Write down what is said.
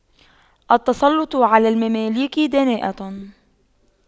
التسلُّطُ على المماليك دناءة